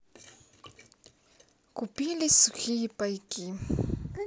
купили сухие пайки